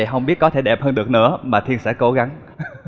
không biết có thể đẹp hơn được nữa mà thiên sẽ cố gắng